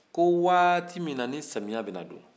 ko waati min na ni samiya bɛna don